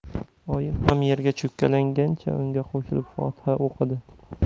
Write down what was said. oyim ham yerga cho'kkalagancha unga qo'shilib fotiha o'qidi